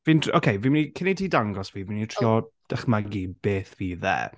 Fi'n... ok fi'n mynd i... cyn i ti dangos fi fi'n mynd i trio dychmygu beth fydd e.